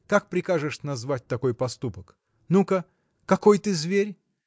Как прикажешь назвать такой поступок? Ну-ка, какой ты зверь?